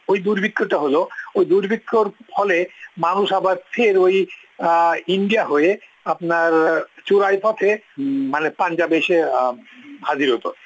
ওই দুর্ভিক্ষ টা হল ওই দুর্ভিক্ষর ফলে মানুষ আবার ওই ইন্ডিয়া হয়ে আপনার চোরাইপথে মানে পাঞ্জাবে এসে হাজির হত